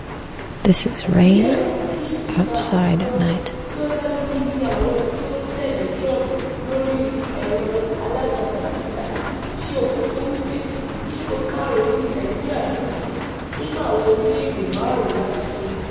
Àgbéyẹ̀wò Tweepsmap kan tí ó dá lóríi iye àwọn tí ó ń tẹ̀lé Trump lóríi ẹ̀rọ alátagbà Twitter ṣe òfófó wípé ipò karùn-ún ni Nàìjíríà dúró sí nínú àwọn orílẹ̀-èdè márùn-ún lágbàáyé: